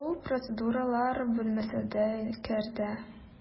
Ул процедуралар бүлмәсенә керде.